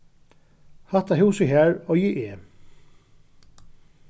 hatta húsið har eigi eg